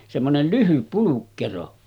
semmoinen lyhyt pulkkero